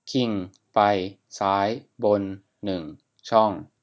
คิงไปซ้ายบนหนึ่งช่อง